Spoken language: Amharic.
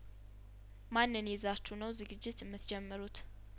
ማንን ይዛችሁ ነው ዝግጅት እምትጀምሩት